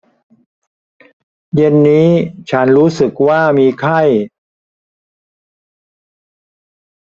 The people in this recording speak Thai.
เย็นนี้ฉันรู้สึกว่ามีไข้